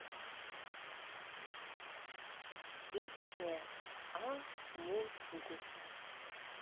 песня амунгус